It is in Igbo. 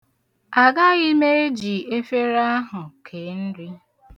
Agaghị m eji efere ahụ kee nri.